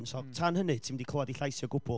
So tan hyny, ti'm 'di clywed ei llais hi o gwbl.